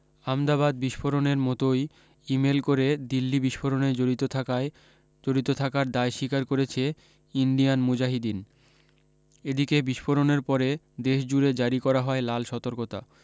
আমদাবাদ বিস্ফোরণের মতোই email করে দিল্লী বিস্ফোরণে জড়িত থাকার দায় স্বীকার করেছে ইন্ডিয়ান মুজাহিদিন এদিকে বিস্ফোরণের পরে দেশ জুড়ে জারি করা হয় লাল সতর্কতা